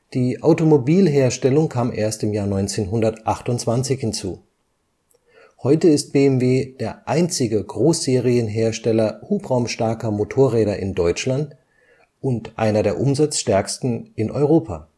Die Automobilherstellung kam erst 1928 hinzu. Heute ist BMW der einzige Großserienhersteller hubraumstarker Motorräder in Deutschland und einer der umsatzstärksten in Europa